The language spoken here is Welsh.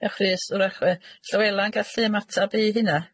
Diolch Rhys wrach fydd Llywela'n gallu ymatab i hynna?